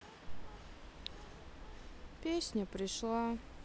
песня пришла